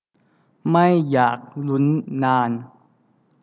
ไม่อยากลุ้นนาน